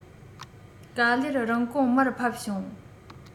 ག ལེར རིན གོང མར ཕབ བྱུང